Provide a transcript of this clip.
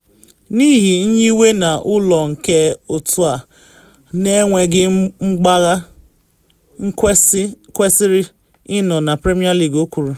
N’ihi nyiwe na ụlọ nke otu a, na enweghị mgbagha kwesịrị ịnọ na Premier League,” o kwuru.